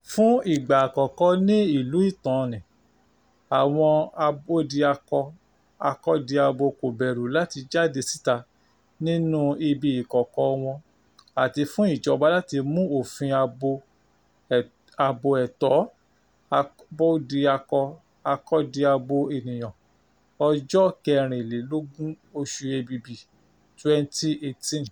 Fún ìgbà àkọ́kọ́ nínú ìtàn ìlúu nì, àwọn Abódiakọ-akọ́diabo kò bẹ̀rù láti jáde síta nínú ibi ìkòkọ̀ wọn àti fún ìjọba láti mú òfin Ààbò Ẹ̀tọ́ Abódiakọ-akọ́diabo Ènìyàn ọjọ́ 24, oṣù Èbìbì 2018.